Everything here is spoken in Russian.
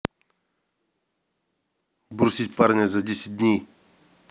бросить парня за десять дней